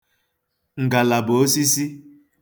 ngàlàbà osisi